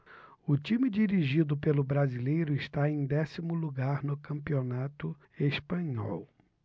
o time dirigido pelo brasileiro está em décimo lugar no campeonato espanhol